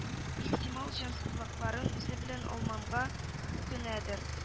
Ихтимал җансакчыларын үзе белән алмаганга үкенәдер